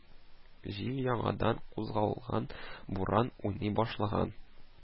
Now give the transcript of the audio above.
Җил яңадан кузгалган, буран уйный башлаган